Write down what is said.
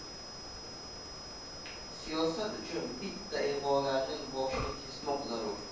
siyosat uchun bitta ig'vogarning boshini kesmoq zarur